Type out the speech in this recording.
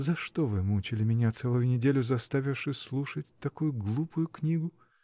за что вы мучили меня целую неделю, заставивши слушать такую глупую книгу?